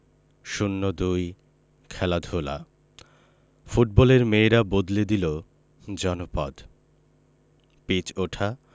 ০২ খেলাধুলা ফুটবলের মেয়েরা বদলে দিল জনপদ পিচ ওঠা